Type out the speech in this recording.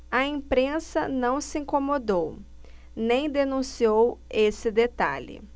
a imprensa não se incomodou nem denunciou esse detalhe